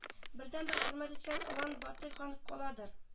Бердәнбер хөрмәт иткән олан батый хан каладыр